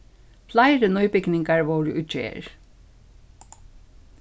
fleiri nýbygningar vóru í gerð